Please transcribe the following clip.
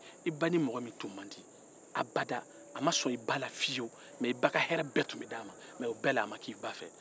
a ba ka hɛɛrɛ bɛɛ tun bɛ di mɔgɔ min ma mɛ o bɛɛ la a ma kɛ i ba fɛ